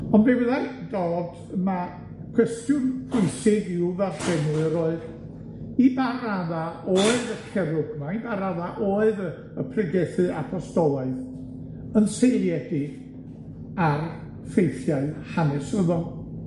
On' be' fyddai Dodd, ma' cwestiwn pwysig i'w ddarllenwyr oedd, i ba radda' oedd y Cerwgmai, i ba raddau oedd y y pregethu apostolaidd, yn seiliedig ar ffeithiau hanesyddol.